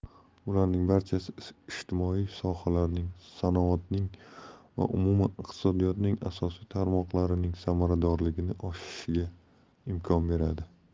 bularning barchasi ijtimoiy sohalarning sanoatning va umuman iqtisodiyotning asosiy tarmoqlarining samaradorligini oshishiga imkon beradi